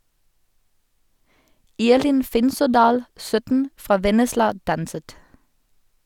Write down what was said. Irlin Finsådal, 17, fra Vennesla danset.